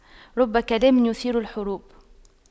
رب كلام يثير الحروب